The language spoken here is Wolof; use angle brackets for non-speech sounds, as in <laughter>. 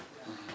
<hesitation> <hesitation>